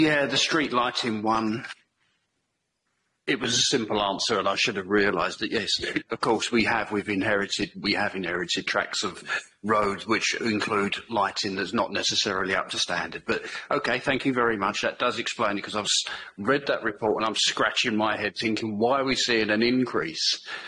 Ie the street lighting one. It was a simple answer and I should have realised that yes of course we have we've inherited we have inherited tracks of roads which include lighting that's not necessarily up to standard but ok thank you very much that does explain it cos I've s- read that report and I'm scratching my head thinking why are we seeing an increase.